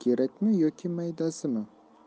kerakmi yoki maydasimi